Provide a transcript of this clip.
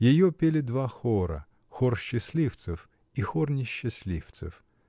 Ее пели два хора -- хор счастливцев и хор несчастливцев